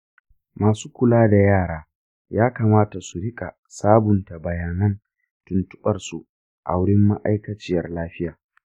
masu kula da yara ya kamata su riƙa sabunta bayanan tuntuɓarsu a wurin ma'aikaciyar lafiya.